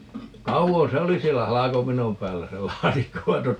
kauan se oli siellä halkopinon päällä se laatikko vaan -